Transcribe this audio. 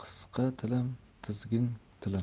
qisqa tilim tizgin tilim